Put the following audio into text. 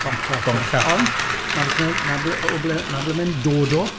Boncath... Boncath. Ond, 'na beth mae... 'na ble... o ble... 'na ble mae'n dod o.